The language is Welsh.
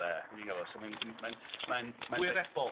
So mae... mae... mae'n... Gwirebol?